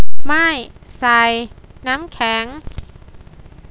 ไม่ใส่น้ำแข็ง